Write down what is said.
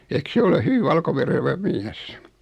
eikö se ole hyvin valkoverevä mies